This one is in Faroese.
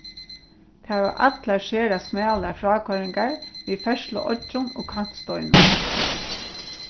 tær hava allar sera smalar frákoyringar við ferðsluoyggjum og kantsteinum